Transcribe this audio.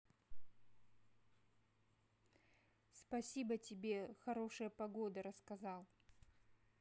спасибо тебе хорошая погода рассказал